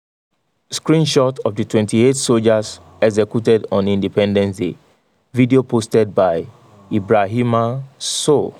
Screenshot of the 28 soldiers executed on Independence day – Video posted by Ibrahima Sow.